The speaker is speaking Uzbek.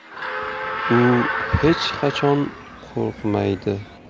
u hech qachon qurimaydi